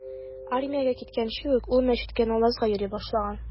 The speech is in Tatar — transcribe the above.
Армиягә киткәнче ук ул мәчеткә намазга йөри башлаган.